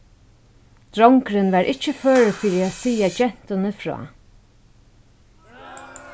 drongurin var ikki førur fyri at siga gentuni frá